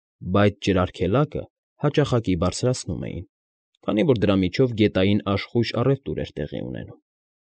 Բայց ջրարգելակը հաճախակի բարձրացնում էին, քանի որ դրա միջով գետային աշխույժ առևտուր էր տեղի ունենում։